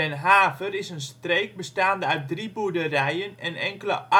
Haver is een streek bestaande uit drie boerderijen en enkele arbeidershuisjes